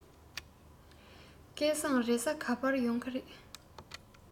སྐལ བཟང རེས གཟའ ག པར ཡོང གི རེད